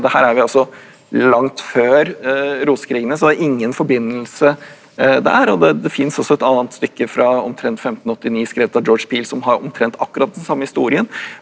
det her er vi altså langt før rosekrigene så det er ingen forbindelse der og det det finst også et annet stykke fra omtrent fra 1589 skrevet av George Peele som har omtrent akkurat den samme historien.